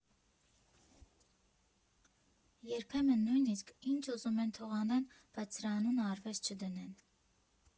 Երբեմն նույնիսկ՝ «ինչ ուզում են թող անեն, բայց սրա անունը արվեստ չդնեն»։